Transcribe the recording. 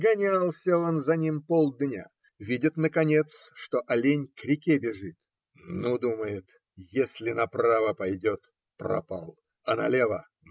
Гонялся он за ним полдня; видит наконец, что олень к реке бежит. "Ну, думает, если направо пойдет пропал, а налево